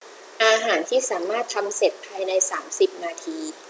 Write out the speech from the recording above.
อาหารที่สามารถทำเสร็จภายในสามสิบนาที